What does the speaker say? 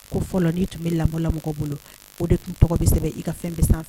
Ko fɔlɔ ni tun bɛ lamɔla mɔgɔ bolo o de tun tɔgɔ bɛ sɛbɛn i ka fɛn bɛ